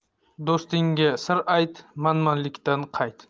do'stingga sir ayt manmanlikdan qayt